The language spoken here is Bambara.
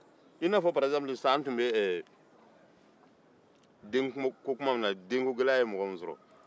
i n'a an tun bɛ denkokuma min na